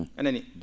a nanii